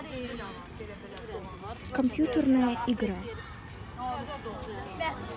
компьютерная игра